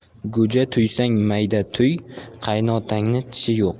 go'ja tuysang mayda tuy qaynotangning tishi yo'q